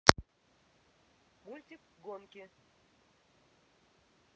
мультик гонки